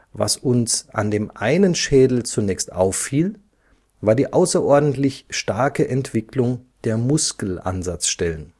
Was uns an dem einen Schädel zunächst auffiel, war die außerordentlich starke Entwicklung der Muskelansatzstellen